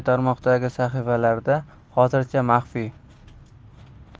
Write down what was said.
tarmoqdagi sahifalarida hozircha maxfiy